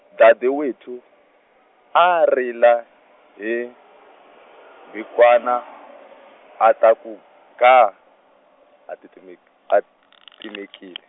Dadewethu, a rila, hi, mbhikwana a ta ku gaa, a titimek-, a timekile.